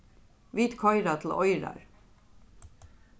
vit koyra til oyrar